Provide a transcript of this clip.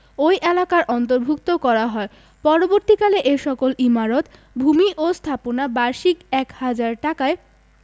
ওই এলাকার অন্তর্ভুক্ত করা হয় পরবর্তীকালে এ সকল ইমারত ভূমি ও স্থাপনা বার্ষিক এক হাজার টাকায়